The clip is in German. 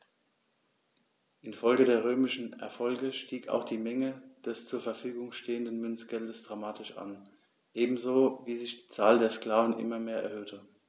Infolge der römischen Erfolge stieg auch die Menge des zur Verfügung stehenden Münzgeldes dramatisch an, ebenso wie sich die Anzahl der Sklaven immer mehr erhöhte.